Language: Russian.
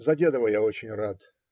За Дедова я очень рад